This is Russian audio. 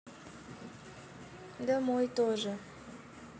домой тоже